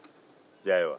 i y'a ye wa